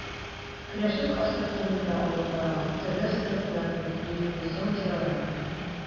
Көрәшнең астыртыны да алып барыла: төрле секталарның дини-информацион терроры.